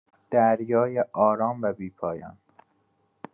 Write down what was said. دریای آرام و بی‌پایان